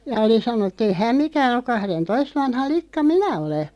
ja oli sanonut että ei hän mikään ole kahdentoista vanha likka minä olen